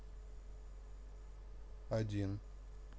один